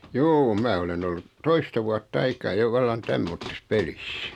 juu minä olen ollut toista vuotta aikaa jo vallan tämmöisessä pelissä